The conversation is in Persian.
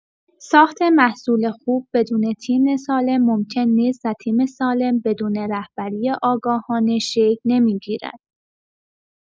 ساخت محصول خوب بدون تیم سالم ممکن نیست و تیم سالم بدون رهبری آگاهانه شکل نمی‌گیرد.